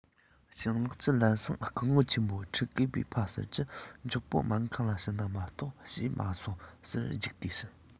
སྤྱང ལགས ཀྱིས ལམ སེང སྐུ ངོ ཆེན མོ ཕྲུ གུས པྰ ཕ ཟེར གྱིས མགྱོགས པོ སྨན ཁང ལ ཕྱིན ན མ གཏོགས བྱས མ སོང ཟེར རྒྱུགས ཏེ ཕྱིན